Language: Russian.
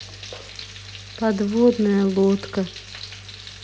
подводная лодка